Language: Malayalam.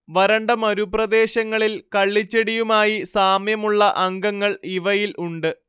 വരണ്ട മരുപ്രദേശങ്ങളിൽ കള്ളിച്ചെടിയുമായി സാമ്യമുള്ള അംഗങ്ങൾ ഇവയിൽ ഉണ്ട്